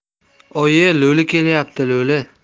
oyi lo'li kelyapti lo'li